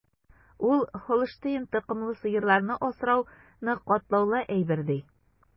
Ул Һолштейн токымлы сыерларны асрауны катлаулы әйбер, ди.